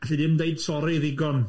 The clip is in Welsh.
Galli di ddim dweud sori ddigon.